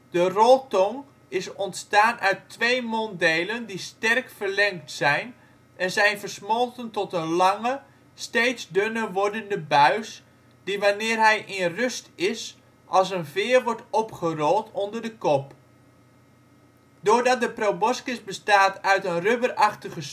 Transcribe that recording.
De roltong is ontstaan uit twee monddelen die sterk verlengd zijn en zijn versmolten tot een lange, steeds dunner wordende buis die wanneer hij in rust is als een veer wordt opgerold onder de kop. Doordat de proboscis bestaat uit een rubber-achtige